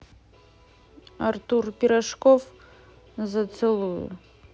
артур пирожков зацелую